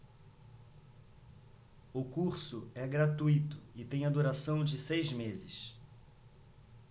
o curso é gratuito e tem a duração de seis meses